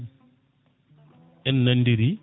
en nandiri